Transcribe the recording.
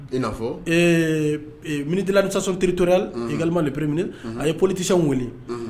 I n'afɔ ee bi Ministre de l'administration territoriale également 1 Ministre a ye Politicien wu wele